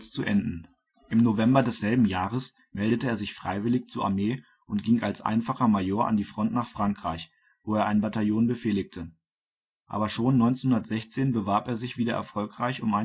zu enden. Im November desselben Jahres meldete er sich freiwillig zur Armee und ging als einfacher Major an die Front nach Frankreich, wo er ein Bataillon befehligte. Aber schon 1916 bewarb er sich wieder erfolgreich um